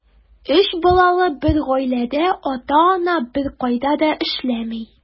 Өч балалы бер гаиләдә ата-ана беркайда да эшләми.